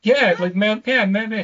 Yeah, like me- yeah, mefus.